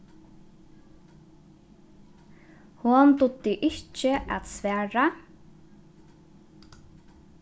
hon dugdi ikki at svara